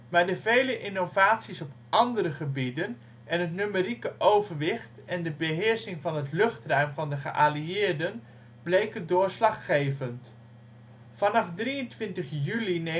maar de vele innovaties op andere gebieden en het numerieke overwicht en de beheersing van het luchtruim van de geallieerden bleken doorslaggevend. Vanaf 23 juli 1944